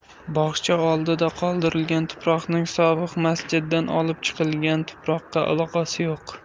bog'cha oldida qoldirilgan tuproqning sobiq masjiddan olib chiqilgan tuproqqa aloqasi yo'q